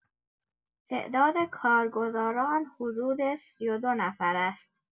تعداد کارگزاران حدود ۳۲ نفر است؛